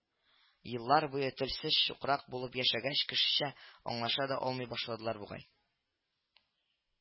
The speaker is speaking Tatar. Еллар буе телсез-чукрак булып яшәгәч, кешечә аңлаша да алмый башладылар бугай